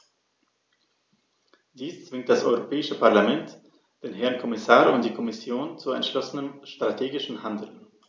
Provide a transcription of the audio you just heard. Dies zwingt das Europäische Parlament, den Herrn Kommissar und die Kommission zu entschlossenem strategischen Handeln.